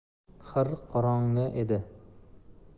xir qorongi edi